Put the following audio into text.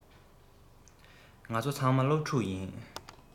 ང ཚོ ཚང མ སློབ ཕྲུག ཡིན